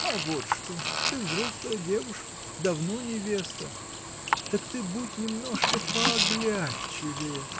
— А вот что: ты взрослая девушка, давно невеста: так ты будь немножко пооглядчивее.